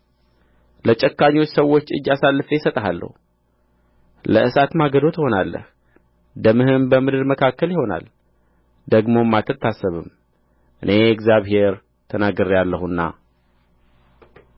ለጨካኞች ሰዎች እጅ አሳልፌ እሰጥሃለሁ ለእሳት ማገዶ ትሆናለህ ደምህም በምድር መካከል ይሆናል ደግሞም አትታሰብም እኔ እግዚአብሔር ተናግሬአለሁና